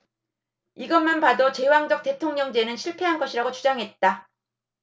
이것만 봐도 제왕적 대통령제는 실패한 것이라고 주장했다